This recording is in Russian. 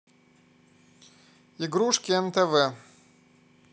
игрушки нтв